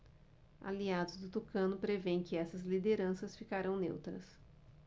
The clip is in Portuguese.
aliados do tucano prevêem que essas lideranças ficarão neutras